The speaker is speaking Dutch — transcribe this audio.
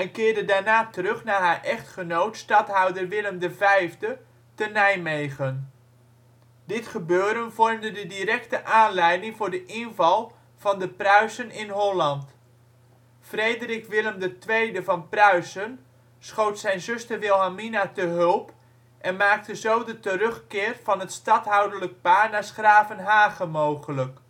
keerde daarna terug naar haar echtgenoot stadhouder Willem V te Nijmegen. Dit gebeuren vormde de directe aanleiding voor de inval van de Pruisen in Holland. Frederik Willem II van Pruisen schoot zijn zuster Wilhelmina te hulp en maakte zo de terugkeer van het stadhouderlijk paar naar ' s-Gravenhage mogelijk